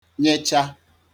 nyecha